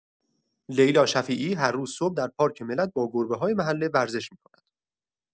لیلا شفیعی، هر روز صبح در پارک ملت با گربه‌های محله ورزش می‌کند.